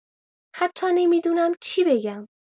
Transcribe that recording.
حتی نمی‌دونم چی بگم.